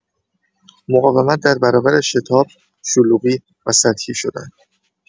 مقاومت در برابر شتاب، شلوغی و سطحی شدن.